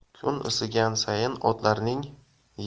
kun isigan sayin otlarning